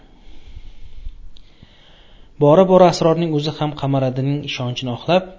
bora bora srorning o'zi xam qamariddinning ishonchini oqlab